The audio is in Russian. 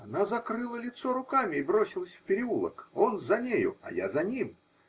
Она закрыла лицо руками и бросилась в переулок, он за нею, а я за ним.